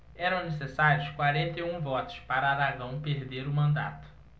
eram necessários quarenta e um votos para aragão perder o mandato